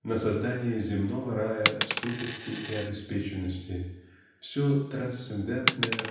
на создание земного рая сытости и обеспеченности все трансцендентное